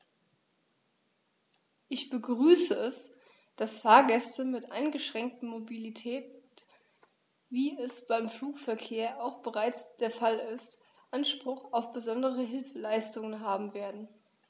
Ich begrüße es, dass Fahrgäste mit eingeschränkter Mobilität, wie es beim Flugverkehr auch bereits der Fall ist, Anspruch auf besondere Hilfeleistung haben werden.